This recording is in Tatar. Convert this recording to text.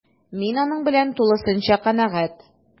Мин аның белән тулысынча канәгать: